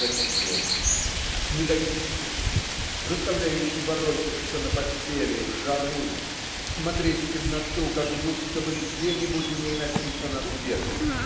"зачем?", не дающий уснуть, заставляющий ворочаться на постели в жару, смотреть в темноту, как будто бы где-нибудь в ней написан ответ.